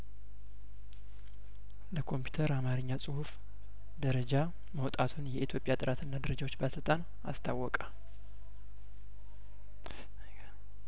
ለኮምፒዩተር አማርኛ ጽሁፍ ደረጃ መውጣቱን የኢትዮጵያ የጥራትና ደረጃዎች ባለስልጣን አስታወቀ